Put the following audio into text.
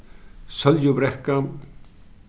sóljubrekka